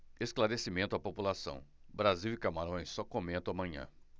esclarecimento à população brasil e camarões só comento amanhã